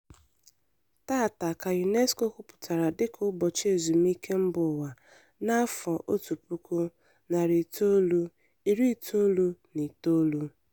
Taata ka UNESCO kwupụtara dịka Ụbọchị Ezemụike Mbaụwa na 1999.